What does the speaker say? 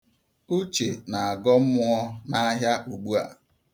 Uche na-agọ mmụọ n'ahịa ugbua.